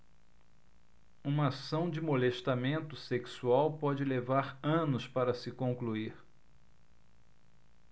uma ação de molestamento sexual pode levar anos para se concluir